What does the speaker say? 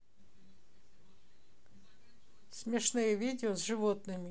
смешные видео с животными